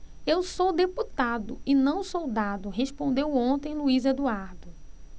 eu sou deputado e não soldado respondeu ontem luís eduardo